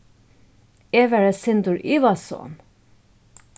eg var eitt sindur ivasom